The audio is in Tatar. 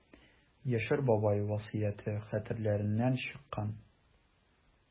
Яшәр бабай васыяте хәтерләреннән чыккан.